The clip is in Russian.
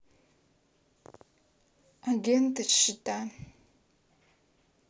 агенты щита